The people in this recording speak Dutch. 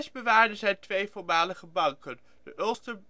bewaarde zijn twee (voormalige) banken: Ulster